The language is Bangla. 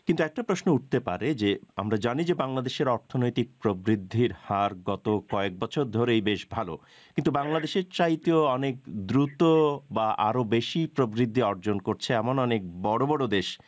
কিন্তু একটা প্রশ্ন উঠতে পারে যে আমরা জানি বাংলাদেশের অর্থনৈতিক প্রবৃদ্ধির হার গত কয়েক বছর ধরেই বেশ ভালো কিন্তু বাংলাদেশ এর চাইতেও অনেক দ্রুত বা আরও বেশি প্রবৃদ্ধি অর্জন করছে এমন অনেক বড় বড় দেশ